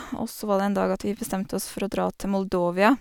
Og så var det en dag at vi bestemte oss for å dra til Moldovia.